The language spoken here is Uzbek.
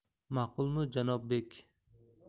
maqulmi janob bek